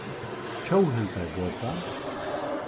tjóðhildargøta